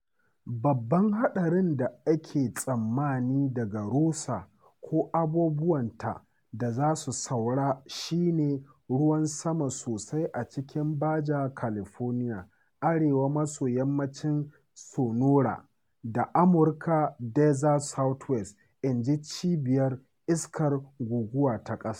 “Babban haɗari da ake tsammani daga Rosa ko abubuwanta da za su saura shi ne ruwan sama sosai a cikin Baja California, arewa-maso-yammacin Sonora, da Amurka Desert Southwest," inji Cibiyar Iskar Guguwa ta Ƙasa.